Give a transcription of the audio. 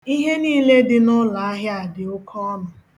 Ihe niile dị n'ụlaahịa a dị okeọnụ